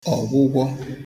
ọgwụgwọ